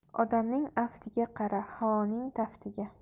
odamning aftiga qara havoning taftiga